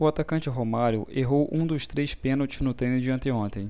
o atacante romário errou um dos três pênaltis no treino de anteontem